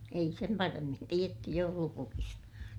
ei sen paremmin tiedetty joulupukista